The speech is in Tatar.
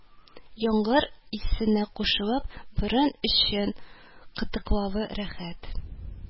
Яңгыр исенә кушылып, борын эчен кытыклавы рәхәт